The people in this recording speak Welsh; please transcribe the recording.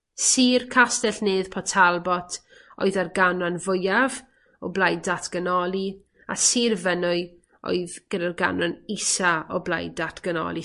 Sir Castell Nedd Port Talbot oedd â'r ganran fwyaf o blaid datganoli, a sir Fynwy oedd gyda'r ganran isa o blaid datganoli.